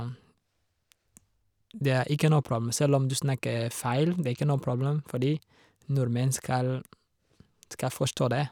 Det er ikke noe problem, selv om du snakker feil, det er ikke noe problem, fordi nordmenn skal skal forstå det.